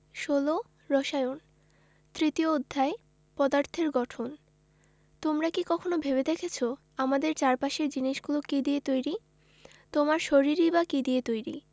১৬ রসায়ন তৃতীয় অধ্যায় পদার্থের গঠন তোমরা কি কখনো ভেবে দেখেছ আমাদের চারপাশের জিনিসগুলো কী দিয়ে তৈরি তোমার শরীরই বা কী দিয়ে তৈরি